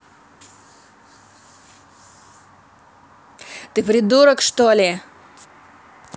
ты придурок что ли